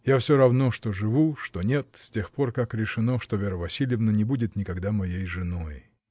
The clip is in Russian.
Я всё равно что живу, что нет, с тех пор как решено, что Вера Васильевна не будет никогда моей женой.